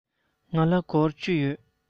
ང ལ སྒོར བཅུ ཡོད